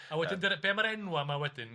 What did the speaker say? A wedyn dy- be ma'r enwa 'ma wedyn?